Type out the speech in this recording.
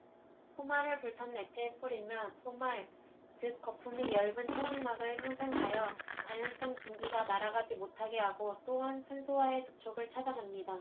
포말을 불타는 액체에 뿌리면 포말 즉 거품이 엷은 차단막을 형성하여 가연성 증기가 날아가지 못하게 하고 또한 산소와의 접촉을 차단합니다